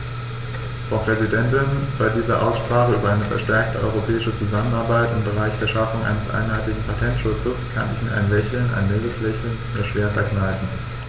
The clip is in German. Frau Präsidentin, bei dieser Aussprache über eine verstärkte europäische Zusammenarbeit im Bereich der Schaffung eines einheitlichen Patentschutzes kann ich mir ein Lächeln - ein mildes Lächeln - nur schwer verkneifen.